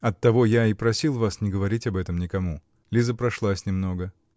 -- Оттого-то я и просил вас не говорить об этом никому. Лиза прошлась немного.